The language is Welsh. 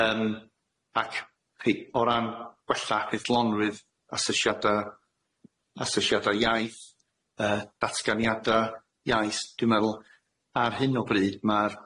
Yym ac 'chi o ran gwella ffeithlonrwydd asesiada asesiada iaith yy datganiada iaith dwi'n meddwl ar hyn o bryd ma'r